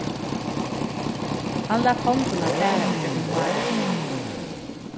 hann lat hondina fara ígjøgnum hárið